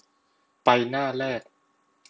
ไปหน้าแรก